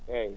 eeyi